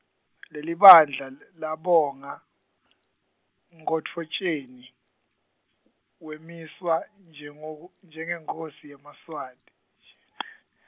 lelibandla l- labonga, Nkhotfotjeni , wemiswa, njengeku, njengenkhosi yemaSwati .